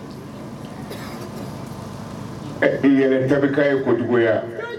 E i yɛrɛ da ye kojuguya